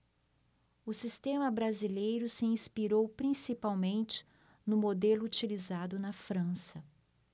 o sistema brasileiro se inspirou principalmente no modelo utilizado na frança